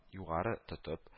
Югары тотып